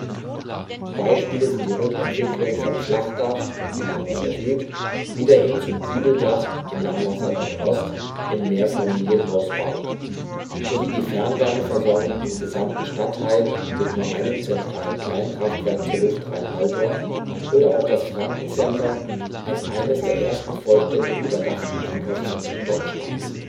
Beispiele sind die Rückentwicklung vom Flachdach (Langwasser-Süd) wieder hin zum Giebeldach (Langwasser-Nord-Ost) im Mehrfamilienhausbau, die Fernwärmeversorgung des gesamten Stadtteils mit nur einem zentralen Kleinkraftwerk zur Luftreinhaltung oder auch das Franken-Center als eines der ersten vollständig überdachten Einkaufszentren Deutschlands